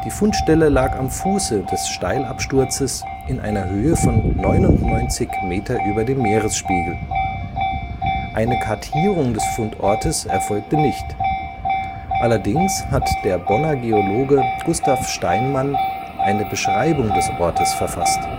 Fundstelle lag am Fuße des Steilabsturzes in einer Höhe von 99 Meter über dem Meeresspiegel. Eine Kartierung des Fundortes erfolgte nicht, allerdings hat der Bonner Geologe Gustav Steinmann eine Beschreibung des Ortes verfasst